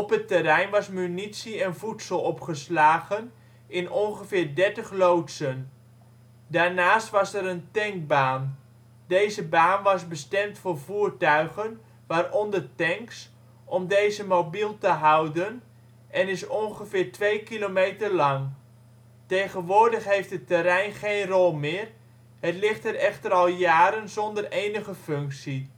het terrein was munitie en voedsel opgeslagen in ongeveer dertig loodsen. Daarnaast was er een ' tankbaan '. Deze baan was bestemd voor voertuigen (waaronder tanks) om deze mobiel te houden en is ongeveer twee kilometer lang. Tegenwoordig heeft het terrein geen rol meer, het ligt er echter al jaren zonder enige functie